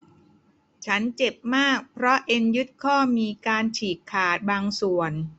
ฉันเจ็บมากเพราะเอ็นยึดข้อมีการฉีกขาดบางส่วน